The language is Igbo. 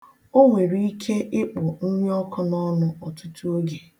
O nwereike ịkpụ nri ọkụ n'ọnụ ọtụtụ oge.